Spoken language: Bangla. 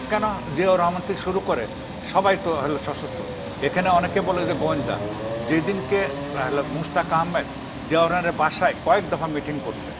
কেন জিয়াউর রহমান থেকে শুরু করে সবাই তো সশস্ত্র অনেকে বলে যে গোয়েন্দা যেদিনকে মোস্তাক আহমেদ জিয়াউর রহমানের বাসায় কয়েক দফা মিটিং করছে